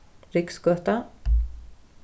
rygsgøta